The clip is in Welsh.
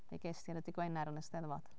Be ges 'di ar y dydd Gwener yn y Steddfod?